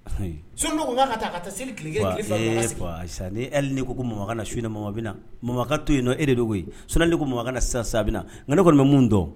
Seli ko ko su mama na to yen e de yen ko sa sa na nka ne kɔni bɛ mun dɔn